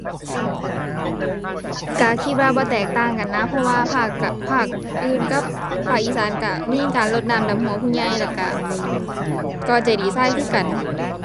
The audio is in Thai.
ก็คิดว่าบ่แตกต่างกันนะ เพราะว่าภาคกะ ภาคอื่นกับภาคอีสานก็มีการรดน้ำดำหัวผู้ใหญ่ แล้วก็ก่อเจดีย์ทรายคือกัน